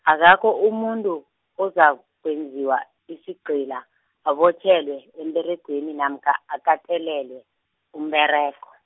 akakho umuntu, ozakwenziwa isigcila, abotjhelelwe, emberegweni namkha akatelelwe, umberego.